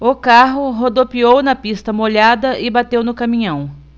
o carro rodopiou na pista molhada e bateu no caminhão